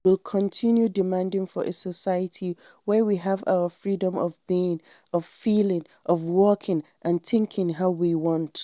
We will continue demanding a society where we have our freedom of being, of feeling, of walking and thinking how we want.